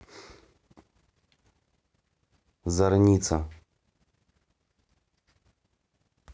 зарница